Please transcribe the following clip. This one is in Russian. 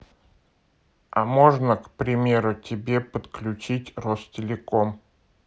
а можно к примеру тебе подключить ростелеком